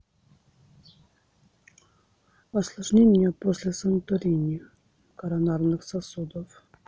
осложнение после санторини коронарных сосудов